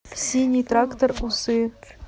синий трактор усы